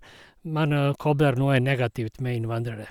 Man kobler noe negativt med innvandrere.